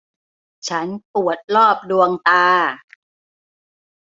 ฉันปวดรอบดวงตา